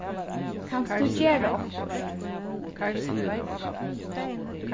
kanst tú gera okkurt